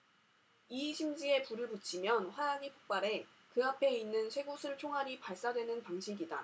이 심지에 불을 붙이면 화약이 폭발해 그 앞에 있는 쇠구슬 총알이 발사되는 방식이다